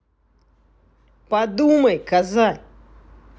подумай коза